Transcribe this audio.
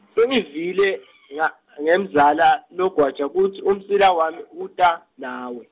Sengivile , nga, ngemzala, logwaja kutsi umsila wami, uta, nawe.